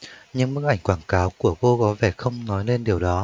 những bức ảnh quảng cáo của cô có vẻ không nói lên điều đó